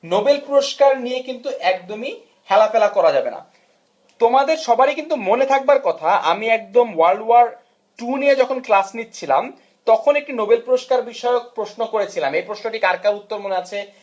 Nobel পুরস্কার নিয়ে কিন্তু একদমই হেলাফেলা করা যাবে না তোমাদের সবারই কিন্তু মনে থাকবার কথা আমি একদম ওয়ার্ল্ড ওয়ার 2 নিয়ে যখন ক্লাস নিচ্ছিলাম তখন একটি নোবেল পুরস্কার বিষয়ক প্রশ্ন করেছিলাম এই প্রশ্নটিই কার কার উত্তর মনে আছে